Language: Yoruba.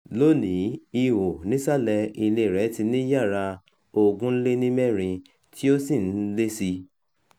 Lónìí, ihò nísàlẹ̀ ilẹ̀ẹ rẹ̀ ti ní yàrá 24 tí ó sì ń lé sí i.